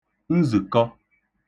nzə̀kọ